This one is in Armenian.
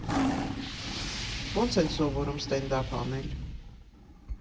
Ո՞նց են սովորում ստենդափ անել։